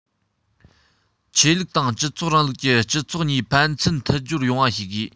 ཆོས ལུགས དང སྤྱི ཚོགས རིང ལུགས ཀྱི སྤྱི ཚོགས གཉིས ཕན ཚུན མཐུན སྦྱོར ཡོང བ བྱེད དགོས